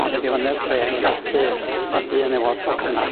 A mynd i fyny'r trên i helpu y dyn efo tocynna.